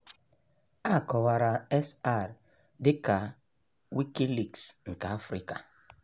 A kọwara SR dịka Wikileaks nke Africa.